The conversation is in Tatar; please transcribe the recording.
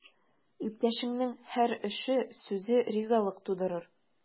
Иптәшеңнең һәр эше, сүзе ризалык тудырыр.